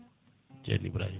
ceerni Ibrahima